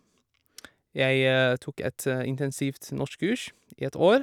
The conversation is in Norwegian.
Jeg tok et intensivt norskkurs i et år.